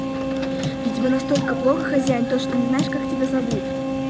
видимо настолько плохо хозяин то что не знаешь как тебя зовут